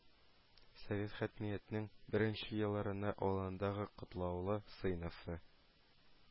Совет хакмиятенең беренче елларында авылдагы катлаулы сыйныфы